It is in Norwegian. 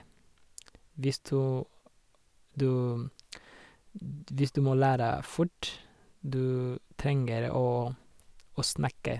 hvis du du d Hvis du må lære fort, du trenger å å snakke.